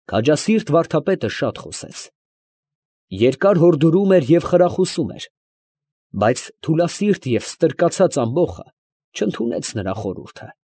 Քաջասիրտ վարդապետը շատ խոսեց, երկար հորդորում էր և խրախուսում էր, բայց թուլասիրտ և ստրկացած ամբոխը չընդունեց նրա խորհուրդը։